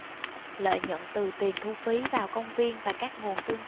lợi nhuận từ tiền thu phí vào công viên và các nguồn tương